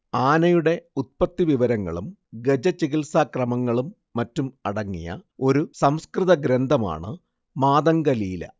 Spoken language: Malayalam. ആനയുടെ ഉത്പത്തിവിവരങ്ങളും ഗജചികിത്സാക്രമങ്ങളും മറ്റും അടങ്ങിയ ഒരു സംസ്കൃത ഗ്രന്ഥമാണ് മാതംഗലീല